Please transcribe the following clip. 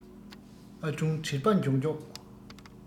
ཨ དྲུང དྲེལ པ མགྱོགས མགྱོགས